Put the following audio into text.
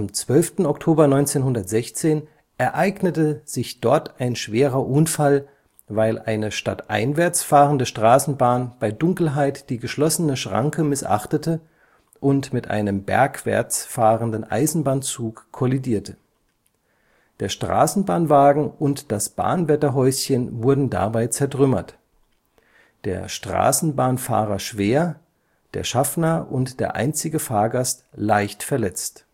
12. Oktober 1916 ereignete sich dort ein schwerer Unfall, weil eine stadteinwärts fahrende Straßenbahn bei Dunkelheit die geschlossene Schranke missachtete und mit einem bergwärts fahrenden Eisenbahnzug kollidierte. Der Straßenbahnwagen und das Bahnwärterhäuschen wurden dabei zertrümmert, der Straßenbahnfahrer schwer, der Schaffner und der einzige Fahrgast leicht verletzt